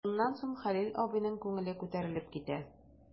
Шуннан соң Хәлил абыйның күңеле күтәрелеп китә.